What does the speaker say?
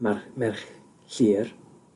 mar- merch Llyr